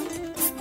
Hɛrɛ